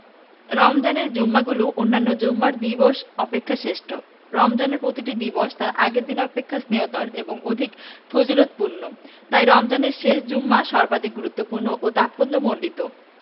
রমজানের জুমাগুলো অন্যান্য জুমার দিবস অপেক্ষা শ্রেষ্ঠ রমজানের প্রতিটি দিন তার আগের দিন অপেক্ষা শ্রেয়তর এবং অধিক ফজিলতপূর্ণ তাই রমজানের শেষ জুমা সর্বাধিক গুরুত্বপূর্ণ ও তাৎপর্যমণ্ডিত